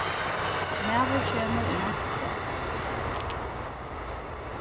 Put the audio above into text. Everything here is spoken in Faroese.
maður kemur í mans stað